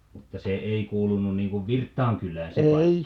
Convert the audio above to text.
mutta se ei kuulunut niin kuin Virttaan kylään se paikka